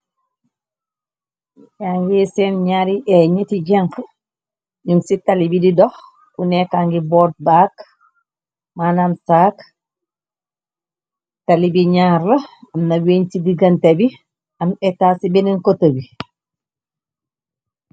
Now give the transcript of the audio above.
Yangi seen ñaari ey ñeti jenq ñum ci tali bi di dox. Ku nekka ngi boot baak manam saak tali bi ñaar la amna weeñ ci digante bi. Am éta ci benn kota bi.